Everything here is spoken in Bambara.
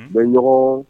Bɛnɲɔgɔnma